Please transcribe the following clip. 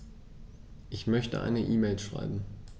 Ich möchte eine E-Mail schreiben.